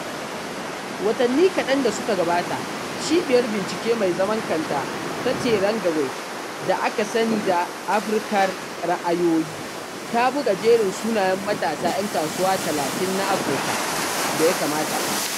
Watanni kaɗan da suka gabata, cibiyar bincike mai zaman kanta ta Terangaweb, da aka sani da “Afirkar Ra'ayoyi,” ta buga jerin sunayen matasa ‘yan kasuwa 30 na Afirka da ya kamata a bi.